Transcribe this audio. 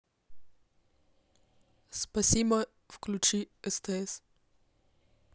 спасибо включи стс